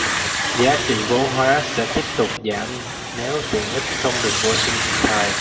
giá trị vốn hóa sẽ tiếp tục giảm nếu tiện ích không được bổ sung kịp thời